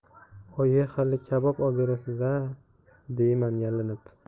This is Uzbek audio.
oyi hali kabob oberasiz a deyman yalinib